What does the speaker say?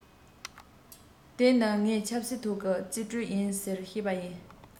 དེ ནི ངའི ཆབ སྲིད ཐོག གི རྩིས སྤྲོད ཡིན ཟེར བཤད པ ཡིན